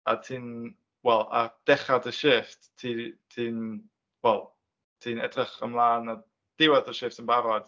A ti'n wel ar dechra dy shifft ti 'di ti'n wel ti'n edrych ymlaen at ddiwedd y shifft yn barod.